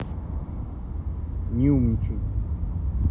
не умничай